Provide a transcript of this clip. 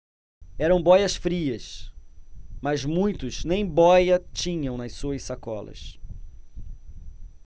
eram bóias-frias mas muitos nem bóia tinham nas suas sacolas